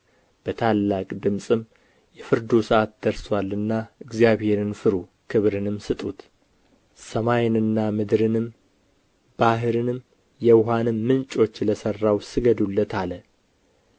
በታላቅ ድምፅም የፍርዱ ሰዓት ደርሶአልና እግዚአብሔርን ፍሩ ክብርንም ስጡት ሰማይንና ምድርንም ባሕርንም የውኃንም ምንጮች ለሠራው ስገዱለት አለ